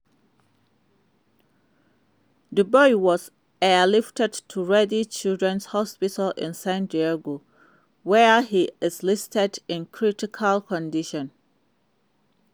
The boy was airlifted to Rady Children's Hospital in San Diego where he is listed in critical condition.